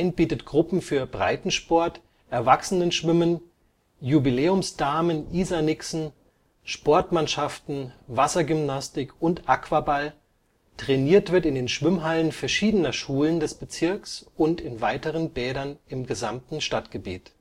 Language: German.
bietet Gruppen für Breitensport, Erwachsenenschwimmen, Jubiläumsdamen/Isarnixen, Sportmannschaften, Wassergymnastik und Aquaball, trainiert wird in den Schwimmhallen verschiedener Schulen des Bezirks und in weiteren Bädern im gesamten Stadtgebiet